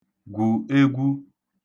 gwù egwu